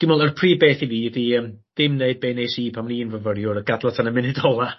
Dwi me'wl ma'r prif beth i fi ydi yym dim neud be' nes i pan o'n i'n fyfyriwr a gadal o tan y munud ola.